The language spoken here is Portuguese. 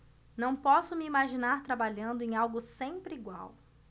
não posso me imaginar trabalhando em algo sempre igual